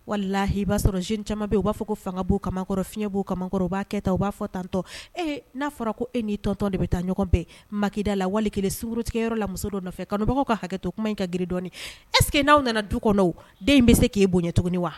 Walahi i b'a sɔrɔ jeune caaman bɛ yen u b'a fɔ ko fangab'u kamankɔrɔ fiɲɛ b'u kamankɔrɔ u b'a kɛ tan u b'a fɔ tantɔ ee n'a fɔra ko e n'i tonton de bɛ taa ɲɔgɔn bɛɛ maqui da la wali kelen sunguru tigɛyɔrɔ la muso dɔ nɔfɛ kanunbagaw ka hakɛ to kuma in ka girin dɔɔni est-ce que n'aw nana du kɔnɔ o den in bɛ se k'e boɲa tuguni wa